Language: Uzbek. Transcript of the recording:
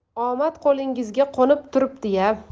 omad qo'lingizga qo'nib turibdi ya